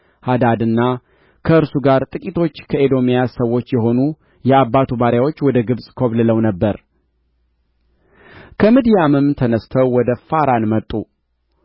ሃዳድና ከእርሱ ጋር ጥቂቶቹ ከኤዶምያስ ሰዎች የሆኑ የአባቱ ባሪያዎች ወደ ግብጽ ኰብልለው ነበር ከምድያምም ተነሥተው ወደ ፋራን መጡ